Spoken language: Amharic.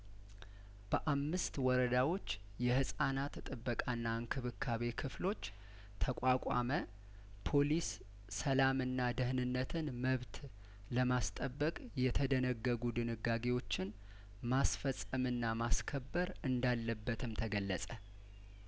በአምስት ወረዳዎች የህጻናት ጥበቃና እንክብካቤ ክፍሎች ተቋቋመ ፓሊስ ሰላምና ደህንነትን መብት ለማስጠበቅ የተደነገጉ ድንጋጌዎችን ማስፈጸምና ማስከበር እንዳለበትም ተገለጸ